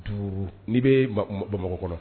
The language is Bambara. N'i bɛ bamakɔ kɔnɔ